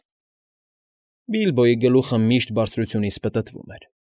Բիլբոյի գլուխը միշտ բարձրությունից պտտվում էր։